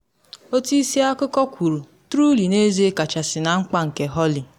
Otu isi akụkọ kwuru: “Truly n’ezie kachasị na mkpa nke Holly.